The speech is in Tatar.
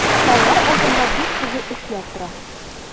Алар алдында бик кызу эшләр тора.